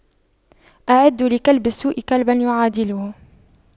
أعدّوا لكلب السوء كلبا يعادله